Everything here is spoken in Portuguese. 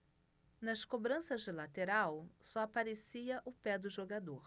nas cobranças de lateral só aparecia o pé do jogador